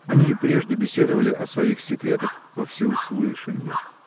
Они и прежде беседовали о своих секретах во всеуслышание.